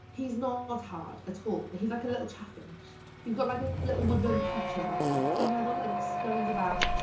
He's not hard at all. He's like a little chaffinch. He's got like a little woodland creature vibe ti'n gwybod be dwi'n meddwl? Like scurries about.